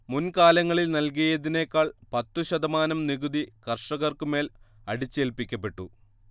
മുൻകാലങ്ങളിൽ നൽകിയതിനേക്കാൾ പത്തുശതമാനം നികുതി കർഷകർക്കുമേൽ അടിച്ചേൽപ്പിക്കപ്പെട്ടു